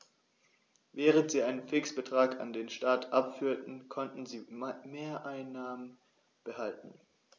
Während sie einen Fixbetrag an den Staat abführten, konnten sie Mehreinnahmen behalten.